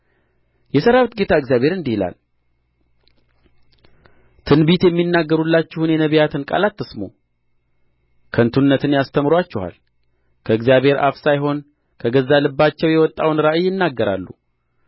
የሠራዊት ጌታ እግዚአብሔር እንዲህ ይላል ትንቢት የሚናገሩላችሁን የነቢያትን ቃል አትሰሙ ከንቱነትን ያስተምሩአችኋል ከእግዚአብሔር አፍ ሳይሆን ከገዛ ልባቸው የወጣውን ራእይ ይናገራሉ